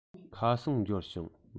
ཁ སང འབྱོར བྱུང